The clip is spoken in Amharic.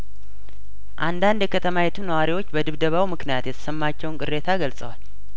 አንዳንድ የከተማይቱ ነዋሪዎች በድብደባው ምክንያት የተሰማቸውን ቅሬታ ገልጸዋል